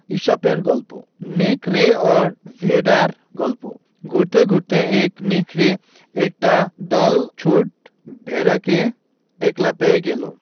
ইসপের গল্প নেকড়ে ও ভেড়ার গল্প ঘুরতে ঘুরতে এক নেকড়ে একটা দলছুট ভেড়াকে একলা পেয়ে গেল